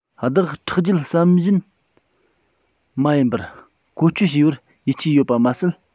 བདག ཁྲག རྒྱུད བསམ བཞིན མ ཡིན པར བཀོལ སྤྱོད བྱས པར ཡིད ཆེས ཡོད པ མ ཟད